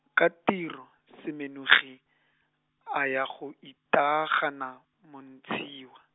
ka tiro, Semenogi, a ya go itaagana, Montshiwa.